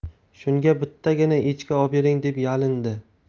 shunga bittagina echki obering deb yalindi